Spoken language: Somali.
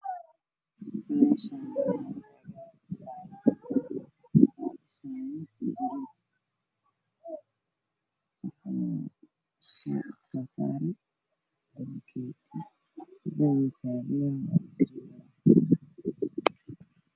Meeshan waxaa ii muuqda dhismo dhisayo bulokeeti iyo dulsar saaran nin ayaa taagan wata garan cadaan surwaal madow